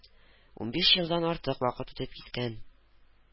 Унбиш елдан артык вакыт үтеп киткән